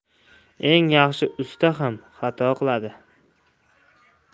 eng yaxshi usta ham xato qiladi